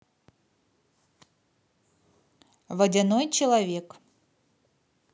водяной человек